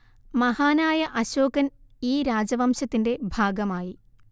മഹാനായ അശോകന്‍ ഈ രാജവംശത്തിന്റെ ഭാഗമായി